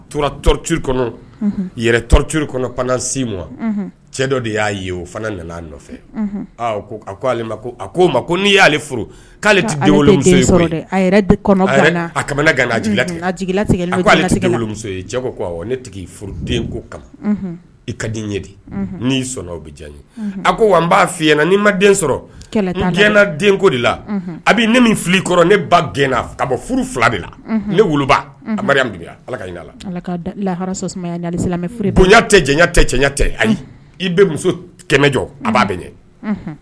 Tora kɔnɔ ma cɛ dɔ de y'a ye o fana nana nɔfɛ a ko ale a ko ma n'i y'ale furu koale amuso ne tigi furu den ko kama i ka di ɲɛ di n' sɔnna o diya a ko n b'a fɔ i nii ma den sɔrɔ kɛlɛna denko de la a ne min fili i kɔrɔ ne ba gɛnna ka bɔ furu fila de la ne woloba ala laha bonyatɛ i bɛ muso kɛmɛ jɔ a b'a bɛn